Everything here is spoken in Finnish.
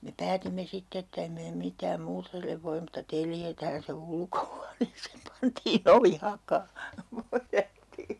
me päätimme sitten että emme me mitään muuta sille voi mutta teljetään se ulkohuoneeseen pantiin ovi hakaan